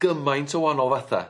gymaint o wanol fatha